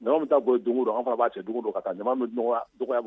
Ɲaman bɛ ta bɔn yen don o don, an fana b'a cɛ dɔn o don ka taa. Ɲama bɛ nɔgɔ dɔgɔya